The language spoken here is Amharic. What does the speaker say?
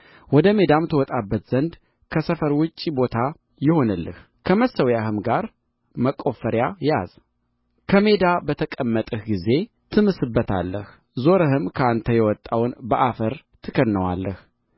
ወደ ሜዳም ትወጣበት ዘንድ ከሰፈር ውጭ ቦታ ይሁንልህ ከመሣሪያህም ጋር መቈፈሪያ ያዝ በሜዳም በተቀመጥህ ጊዜ ትምስበታለህ ዞረህም ከአንተ የወጣውን በአፈር ትከድነዋለህ